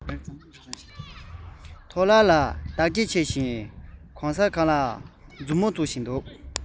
འདྲུད འཐེན འཁོར ལོ ལ བརྟག དཔྱད བྱེད པ བཞིན གང སར མཛུབ མོས རེག ཙམ རེག ཙམ བྱེད